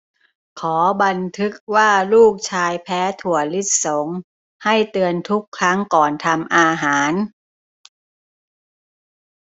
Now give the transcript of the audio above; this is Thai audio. ขอบันทึกว่าลูกชายแพ้ถั่วลิสงให้เตือนทุกครั้งก่อนทำอาหาร